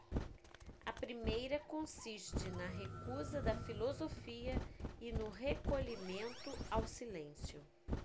a primeira consiste na recusa da filosofia e no recolhimento ao silêncio